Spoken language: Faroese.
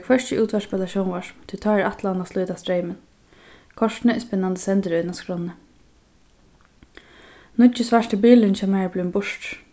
hvørki útvarp ella sjónvarp tí tá er ætlanin at slíta streymin kortini er spennandi sendirøðin á skránni nýggi svarti bilurin hjá mær er blivin burtur